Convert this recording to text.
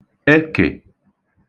ekè